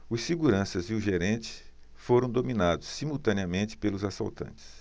os seguranças e o gerente foram dominados simultaneamente pelos assaltantes